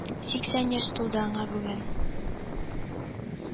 Сиксән яшь тулды аңа бүген